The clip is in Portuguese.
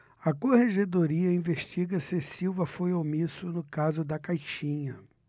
a corregedoria investiga se silva foi omisso no caso da caixinha